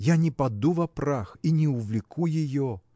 Я не паду во прах – и не увлеку ее.